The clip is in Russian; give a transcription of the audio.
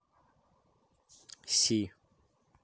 se